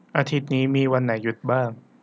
อาทิตย์นี้มีวันไหนหยุดบ้าง